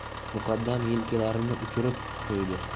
muqaddam yelkalarini uchirib qo'ydi